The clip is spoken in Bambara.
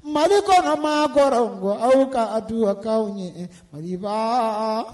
Mali ko ma ko ko aw kadukawaw ɲɛ ayi